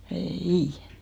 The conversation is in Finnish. ei